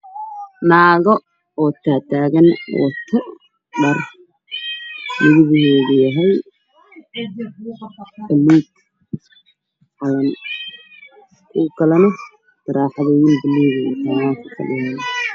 Waa naga taagan qoorta u xiran yahay calanka soomaaliya wataan xijaabo madow